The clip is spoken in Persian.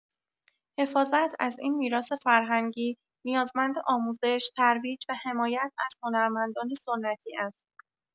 حفاظت از این میراث‌فرهنگی نیازمند آموزش، ترویج و حمایت از هنرمندان سنتی است.